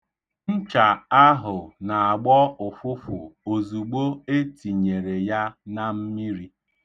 Ncha ahụ na-agbọ ụfụfụ ozugbo e tinyere ya na mmiri.